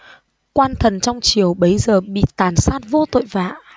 quan thần trong triều bấy giờ bị tàn sát vô tội vạ